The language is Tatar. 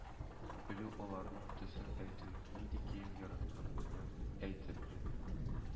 Белү, аларның төсен əйтү, нинди кием яратканыңны əйтə белү